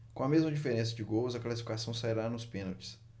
com a mesma diferença de gols a classificação sairá nos pênaltis